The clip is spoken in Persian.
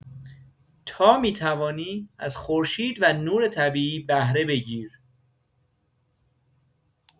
تا می‌توانی از خورشید و نور طبیعی بهره بگیر.